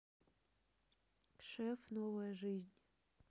шеф новая жизнь